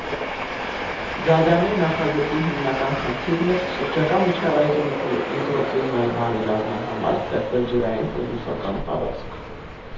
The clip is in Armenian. Զարյանի նախագծի հիմնական խնդիրն էր շրջակա միջավայրի միկրոկլիմայի բարելավման համար ստեղծել ջրային ու բուսական տարածք։